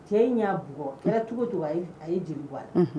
Cɛ in y'aug kɛra cogo to a ye jeli bu